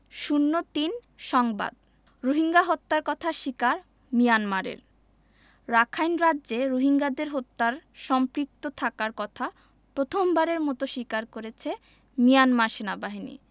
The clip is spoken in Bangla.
০৩ সংবাদ রোহিঙ্গা হত্যার কথা স্বীকার মিয়ানমারের রাখাইন রাজ্যে রোহিঙ্গাদের হত্যায় সম্পৃক্ত থাকার কথা প্রথমবারের মতো স্বীকার করেছে মিয়ানমার সেনাবাহিনী